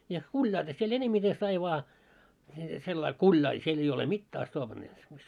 ja kuljailla siellä enemmiten sai vain sillä lailla kuljailla siellä ei ole mitään astoopnaja